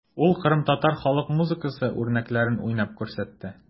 Ул кырымтатар халык музыкасы үрнәкләрен уйнап күрсәтте.